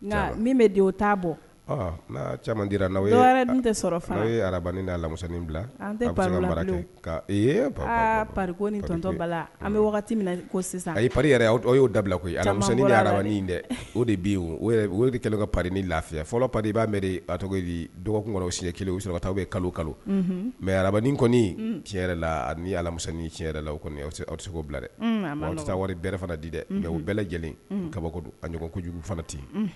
Min bɛ bɔ caman di n'mu bila an bɛ sisan a ye y'o da bila alamunin dɛ o de bi de kɛlen ka ni lafiya fɔlɔ pa b'a ba tɔgɔ dɔgɔkunkɔrɔ siɲɛ kelenkata bɛ kalo kalo mɛ ararabain kɔni tiɲɛ yɛrɛ la alamunin la o aw tɛ se'o bila dɛ taa wari bɛ fana di dɛ mɛ u bɛɛ lajɛlen kaba a kojugu fana ten